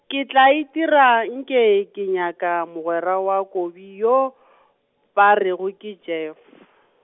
ke tla itira nke ke nyaka mogwera wa Kobi yo , ba rego ke Jeff.